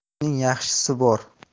yomonning yaxshisi bor